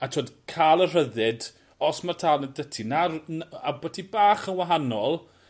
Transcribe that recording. A t'wod ca'l y rhyddid os ma' talent 'dy ti 'na'r... A bo' ti bach yn wahanol